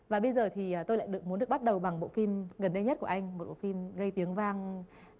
và bây giờ thì tôi lại được muốn được bắt đầu bằng bộ phim gần đây nhất của anh một bộ phim gây tiếng vang